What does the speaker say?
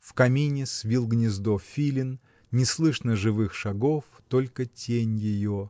В камине свил гнездо филин, не слышно живых шагов, только тень ее.